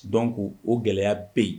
Dɔn ko o gɛlɛyaya bɛ yen